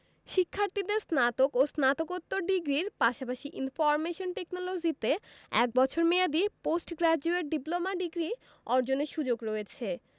শিক্ষার্থীদের স্নাতক ও স্নাতকোত্তর ডিগ্রির পাশাপাশি ইনফরমেশন টেকনোলজিতে এক বছর মেয়াদি পোস্ট গ্রাজুয়েট ডিপ্লোমা ডিগ্রি অর্জনের সুযোগ রয়েছে